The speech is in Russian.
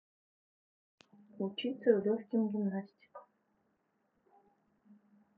учиться в легким гимнастика